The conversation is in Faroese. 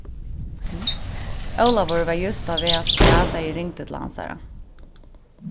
ólavur var júst á veg avstað tá eg ringdi til hansara